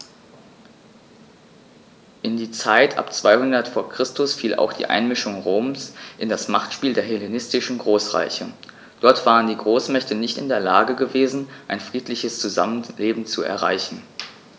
In die Zeit ab 200 v. Chr. fiel auch die Einmischung Roms in das Machtspiel der hellenistischen Großreiche: Dort waren die Großmächte nicht in der Lage gewesen, ein friedliches Zusammenleben zu erreichen.